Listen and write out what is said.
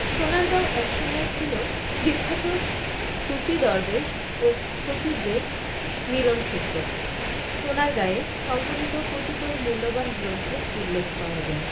সোনারগাঁও এক সময়ে ছিল বিখ্যাত সুফি দরবেশ ও ফকিরদের মিলনক্ষেত্র সোনারগাঁয়ে সংকলিত কতিপয় মূল্যবান গ্রন্থের উল্লেখ পাওয়া যায়